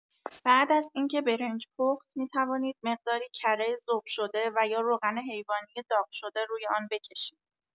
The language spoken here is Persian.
بعد از اینکه برنج پخت می‌توانید مقداری کره ذوب شده و یا روغن حیوانی داغ شده روی آن بکشید.